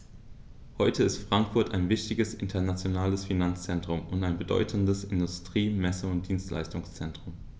Heute ist Frankfurt ein wichtiges, internationales Finanzzentrum und ein bedeutendes Industrie-, Messe- und Dienstleistungszentrum.